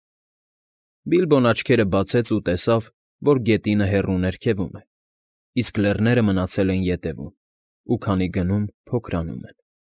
Բիլբոն աչքերը բացեց ու տեսավ, որ գետինը հեռու ներքևում է, իսկ լեռները մնացել են ետևում ու քանի գնում փոքրանում են։